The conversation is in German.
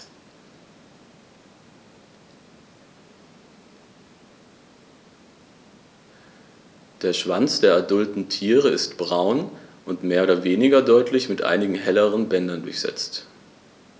Der Schwanz der adulten Tiere ist braun und mehr oder weniger deutlich mit einigen helleren Bändern durchsetzt.